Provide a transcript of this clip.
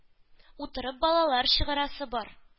Утырып балалар чыгарасы бар...